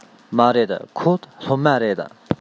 མ རེད ཁོ སློབ མ རེད